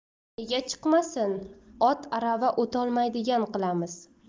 nega chiqmasin ot arava o'tolmaydigan qilamiz